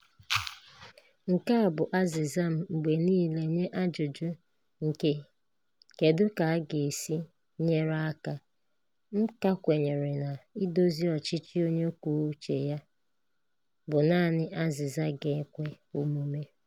Nke a bụ azịza m mgbe niile nye ajụjụ nke "kedu ka anyị ga-esi nyere aka?" M ka kwenyere na [idozi ọchịchị onye kwuo uche ya] bụ naanị azịza ga-ekwe omume.